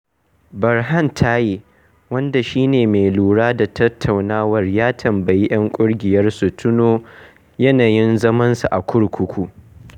Berhan Taye, wanda shi ne mai lura da tattaunawar, ya tambayi 'yan ƙungiyar su tuno yanayin zamansu a kurkuku.